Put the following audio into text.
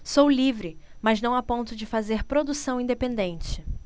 sou livre mas não a ponto de fazer produção independente